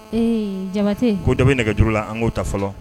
Ee jamate ko da nɛgɛuru la an k'o ta fɔlɔ